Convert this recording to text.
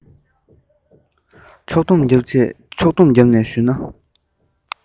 ཕྱོགས བསྡོམས བརྒྱབ ནས ཞུ ན